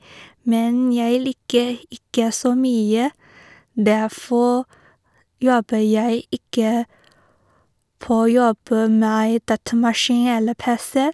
Men jeg liker ikke så mye, derfor jobber jeg ikke på jobber med datamaskin eller PC.